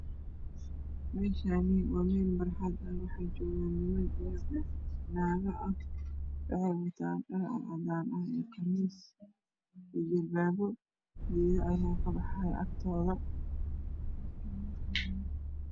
Meshani waa mel barxad ah waxa joogan niman io naago wxey watan dhar cadcadan ah io qamis io jalbabo geedo aya kabaxayo agtoor